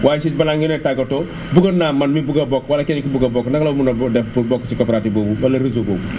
waaye si balaa ngeen a tàggatoo bëggoon naa man mii bëgg a bokk wala keneen ku bëgg a bokk naka la mën a bo def pour bokk si coopérative boobu wala réseau boobu